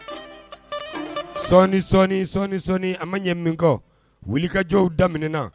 Sɔnin sɔnin sɔnin sɔnin a ma ɲɛ min kɔ wulikajɔw daminɛna.